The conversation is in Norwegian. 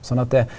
sånn at det.